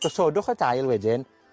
Gosodwch y dail wedyn